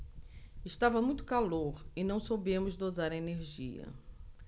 estava muito calor e não soubemos dosar a energia